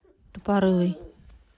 тупорылый